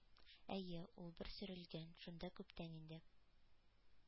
Әйе, ул бер сөрелгән; шунда күптән инде